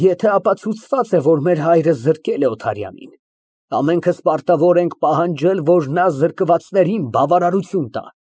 Եթե ապացուցված է, որ մեր հայրը զրկել է Օթարյանին, ամենքս պարտավոր ենք պահանջել, որ նա զրկվածներին բավարարություն տա։